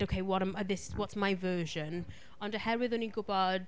Ok, what am... this... what’s my version? Ond oherwydd o'n i'n gwbod...